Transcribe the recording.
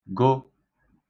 gụ